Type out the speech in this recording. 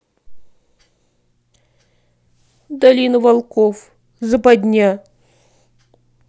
долина волков западня